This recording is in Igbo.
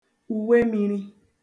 ùwe miri